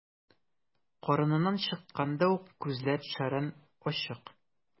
Карыныннан чыкканда ук күзләр шәрран ачык.